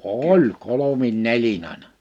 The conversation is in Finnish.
oli kolme neljä aina